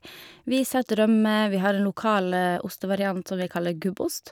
Vi setter rømme, vi har en lokal ostevariant som vi kaller Gubbost.